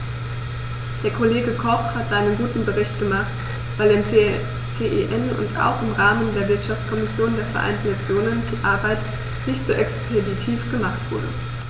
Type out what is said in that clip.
Der Kollege Koch hat seinen guten Bericht gemacht, weil im CEN und auch im Rahmen der Wirtschaftskommission der Vereinten Nationen die Arbeit nicht so expeditiv gemacht wurde.